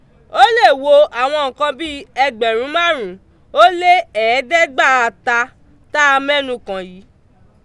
Ó lè wo àwọn nǹkan bí ẹgbẹ̀rún márùn ún ó lé ẹ̀ẹ́dẹ́gbàáta tá a mẹ́nu kàn yìí.